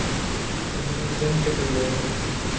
генка белова